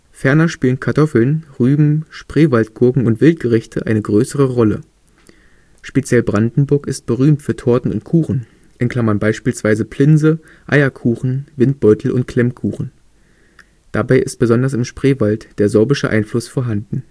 Ferner spielen Kartoffeln, Rüben, Spreewaldgurken und Wildgerichte eine größere Rolle. Speziell Brandenburg ist berühmt für Torten und Kuchen (beispielsweise Plinse, Eierkuchen, Windbeutel und Klemmkuchen). Dabei ist besonders im Spreewald der sorbische Einfluss vorhanden